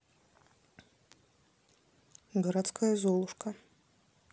городская золушка